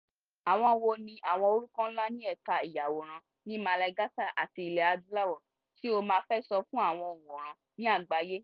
Àwọn wo ni àwọn orúkọ ńlá ní ẹ̀ka ìyàwòrán ní Malagasy àti ilẹ̀ Adúláwọ̀ tí o máa fẹ́ sọ fún àwọn òǹwòran ní àgbáyé?